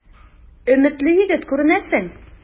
Өметле егет күренәсең.